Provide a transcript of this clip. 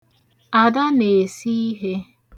Ada na-esi ihe.